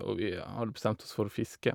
Og vi hadde bestemt oss for å fiske.